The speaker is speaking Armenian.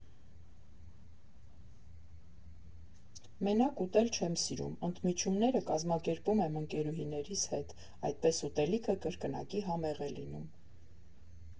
Մենակ ուտել չեմ սիրում, ընդմիջումները կազմակերպում եմ ընկերուհիներիս հետ, այդպես ուտելիքը կրկնակի համեղ է լինում։